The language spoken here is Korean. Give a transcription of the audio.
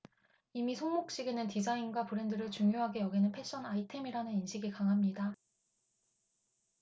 이미 손목시계는 디자인과 브랜드를 중요하게 여기는 패션 아이템이라는 인식이 강합니다